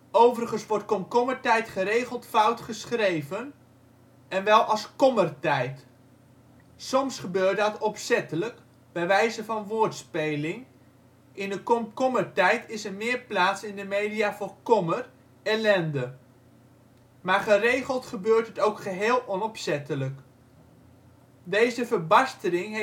Overigens wordt komkommertijd geregeld fout geschreven, en wel als kommertijd. Soms gebeurt dat opzettelijk, bij wijze van woordspeling (in de komkommertijd is er meer plaats in de media voor kommer, ellende), maar geregeld gebeurt het ook geheel onopzettelijk. Deze verbastering